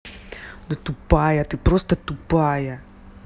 a тупая ты просто тупая